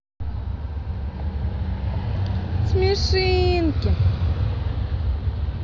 смешинки